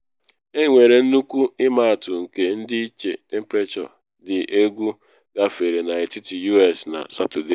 Enwere nnukwu ịmaatụ nke ndịiche temprechọ dị egwu gafere n’etiti U.S. na Satọde.